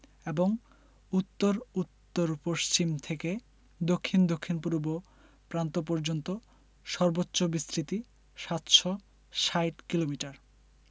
এবং উত্তর উত্তরপশ্চিম থেকে দক্ষিণ দক্ষিণপূর্ব প্রান্ত পর্যন্ত সর্বোচ্চ বিস্তৃতি ৭৬০ কিলোমিটার